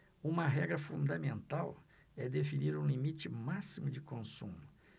uma regra fundamental é definir um limite máximo de consumo